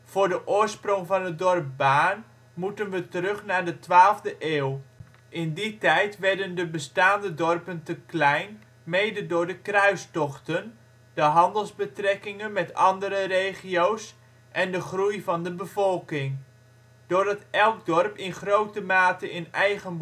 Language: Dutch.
Voor de oorsprong van het dorp Baarn moeten we terug naar de twaalfde eeuw. In die tijd werden de bestaande dorpen te klein, mede door de kruistochten, de handelsbetrekkingen met andere regio 's en de groei van de bevolking. Doordat elk dorp in grote mate in eigen